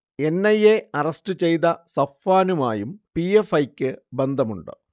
N. I. A arrest ചെയ്ത സഫ്വാനുമായും P. F. I. ക്ക് ബന്ധമുണ്ട്